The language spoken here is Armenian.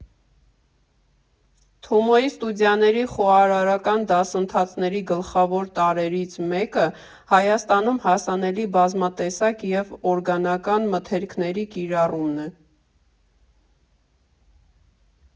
Թումոյի ստուդիաների խոհարարական դասընթացների գլխավոր տարրերից մեկը Հայաստանում հասանելի բազմատեսակ և օրգանական մթերքների կիրառումն է։